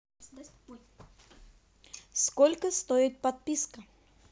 сколько стоит подписка